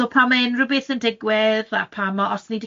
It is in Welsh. So pan mae unrhyw beth yn digwydd a pan ma' os ni